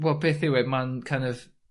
Wel beth yw e ma'n kin' of